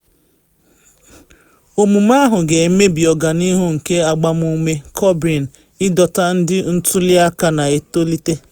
Omume ahụ ga-emebi ọganihu nke agbamume Corbyn ịdọta ndị ntuli aka na etolite